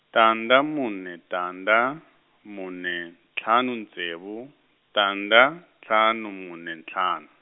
tandza mune tandza, mune ntlhanu ntsevu, tandza ntlhanu mune ntlhanu.